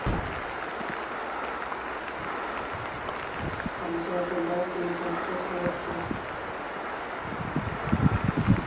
обзор рыбалки на кольцо с лодки